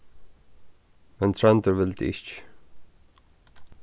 men tróndur vildi ikki